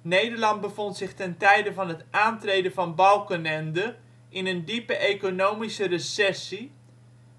Nederland bevond zich ten tijde van het aantreden van Balkenende in een diepe economische recessie